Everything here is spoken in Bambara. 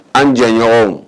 An jɛɲɔgɔnw